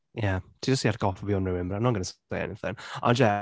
Ie. Ti jyst 'di atgoffa fi o rhywun, but I’m not going to say anything, ond ie.